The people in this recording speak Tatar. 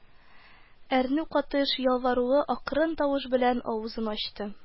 Әрнү катыш ялварулы акрын тавыш белән авызын ачты: